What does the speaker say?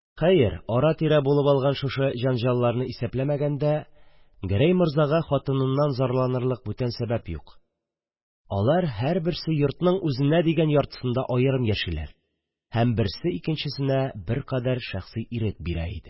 Хәер, ара-тирә булып алган шушы җанҗалларны исәпләмәгәндә, Гәрәй морзага хатыныннан зарланырлык бүтән сәбәп юк: алар һәрберсе йортның үзенә дигән яртысында аерым яшиләр һәм берсе икенчесенә беркадәр шәхси ирек бирәләр иде.